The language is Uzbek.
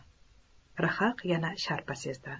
rhaq yana sharpa sezdi